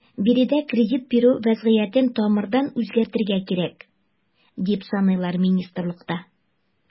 Биредә кредит бирү вәзгыятен тамырдан үзгәртергә кирәк, дип саныйлар министрлыкта.